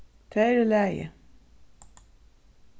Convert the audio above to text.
tað er í lagi